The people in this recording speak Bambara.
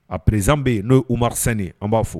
A perezsan bɛ yen n'o ye u marisni an b'a fɔ